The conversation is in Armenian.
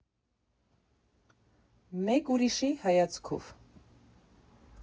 ֊ Մեկ ուրիշի հայացքով։